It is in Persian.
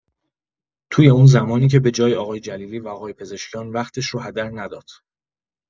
توی اون زمانی که به‌جای آقای جلیلی و آقای پزشکیان وقتش رو هدر نداد